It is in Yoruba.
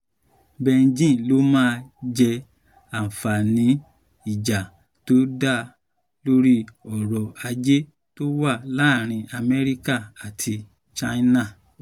Beijing ló máa jẹ àǹfààní ìjà tó dá lórí ọrọ̀-ajé tó wá láàrin Amẹ́ríkà àti China